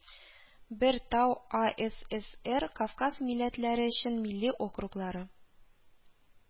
Бер тау а эс эс эр кавказ милләтләре өчен милли округлары